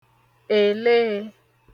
èleē